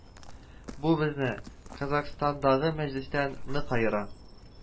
Бу безне Казахстандагы Мәҗлестән нык аера